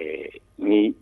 Ɛɛ ni